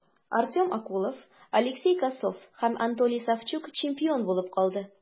Артем Окулов, Алексей Косов һәм Антоний Савчук чемпион булып калды.